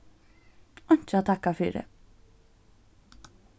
einki at takka fyri